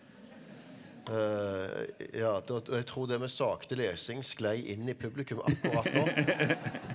ja at da jeg tror det med sakte lesing sklei inn i publikum akkurat da.